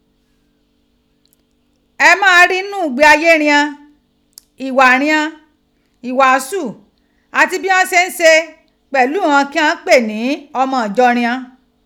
E maa ri n nu igbe aye righan, igha righan, ighaasu ati bi ghan se n se pelu ighan ki ghan pe ni omo ijo righan.